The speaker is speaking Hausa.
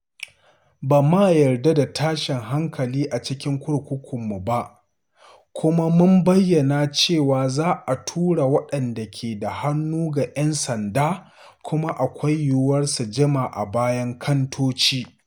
Ba ma yarda da tashin hankali a cikin kurkukunmu ba, kuma mun bayyana cewa za a tura waɗanda ke da hannu ga yan sanda kuma akwai yiwuwar su jima a bayan kantoci.”